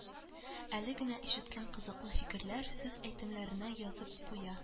Әле генә ишеткән кызыклы фикерләр, сүз-әйтемнәрне язып куя